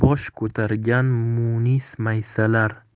bosh ko'targan munis maysalar